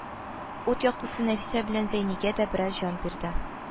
Ут яктысы Нәфисә белән Зәйнигә дә бераз җан бирде